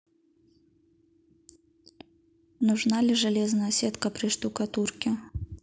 нужна ли железная сетка при штукатурке